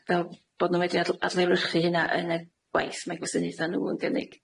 fel bod nw'n medru adl- adlewyrchu hynna yn y gwaith mae'i gwasanaetha' nw yn gynnig.